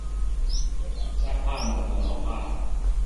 ซักผ้าโหมดถนอมผ้า